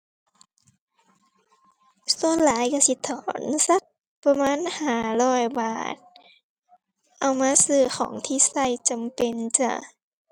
ส่วนหลายก็สิถอนสักประมาณห้าร้อยบาท เอามาซื้อของที่ก็จำเป็นจ้ะ